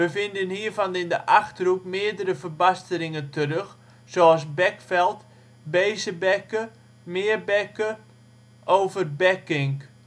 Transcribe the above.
vinden hiervan in de Achterhoek meerdere verbasteringen terug (zoals Bekveld, Beezebekke, Meerbekke, Overbekkink